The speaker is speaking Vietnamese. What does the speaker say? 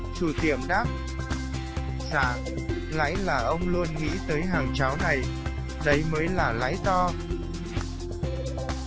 chủ tiệm dạ lãi là ông luôn nghĩ tới hàng cháo này đấy mới là lãi to